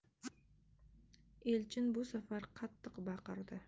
elchin bu safar qattiq baqirdi